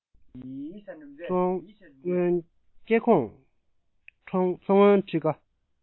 སྐྱེས ཁོངས མཚོ སྔོན ཁྲི ཀ